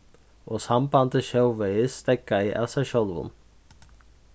og sambandið sjóvegis steðgaði av sær sjálvum